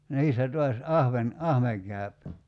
niissä taas ahven ahven käy